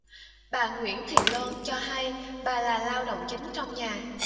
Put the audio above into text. bà nguyễn thị loan cho hay bà là lao động chính trong nhà